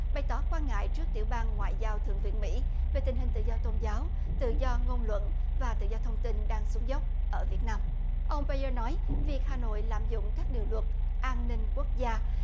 bày tỏ quan ngại trước tiểu ban ngoại giao thượng viện mỹ về tình hình tự do tôn giáo tự do ngôn luận và tự do thông tin đang xuống dốc ở việt nam ông bay ơ nói việc hà nội lạm dụng các điều luật an ninh quốc gia